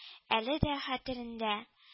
Әле дә хәтерендә —